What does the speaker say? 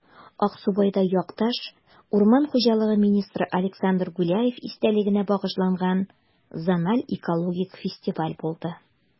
Аксубайда якташ, урман хуҗалыгы министры Александр Гуляев истәлегенә багышланган I зональ экологик фестиваль булды